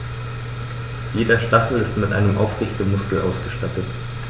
Jeder Stachel ist mit einem Aufrichtemuskel ausgestattet.